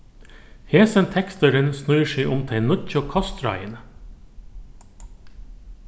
hesin teksturin snýr seg um tey nýggju kostráðini